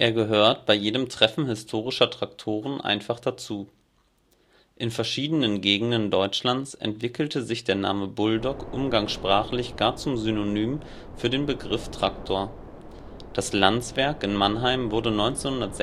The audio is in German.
gehört bei jedem Treffen historischer Traktoren einfach dazu; in verschiedenen Gegenden Deutschlands entwickelte sich der Name Bulldog umgangssprachlich gar zum Synonym für den Begriff Traktor. Das Lanz-Werk in Mannheim wurde 1956